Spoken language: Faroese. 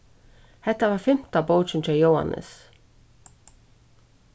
hetta var fimta bókin hjá jóannes